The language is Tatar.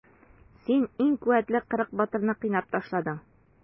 Син иң куәтле кырык батырны кыйнап ташладың.